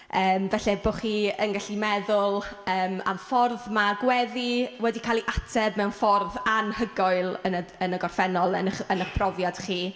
Yym, falle bo' chi yn gallu meddwl, yym, am ffordd mae gweddi wedi cael ei ateb mewn ffordd anhygoel yn y yn y gorffennol yn eich yn eich profiad chi.